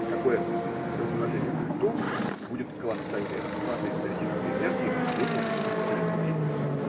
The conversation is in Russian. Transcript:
Такое размножение культур будет колоссальной растратой исторической энергии населения Российской Империи.